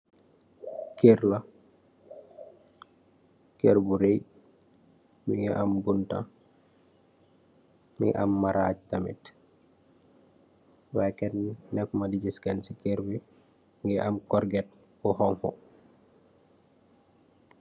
Kerr la, kerr bu rey, mungi am bunta, mungi am maraach tamit, waay nekuma di giss ken si kerr bi, mungi am korget bu honku.